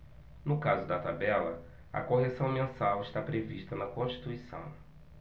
no caso da tabela a correção mensal está prevista na constituição